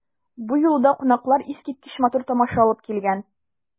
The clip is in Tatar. Бу юлы да кунаклар искиткеч матур тамаша алып килгән.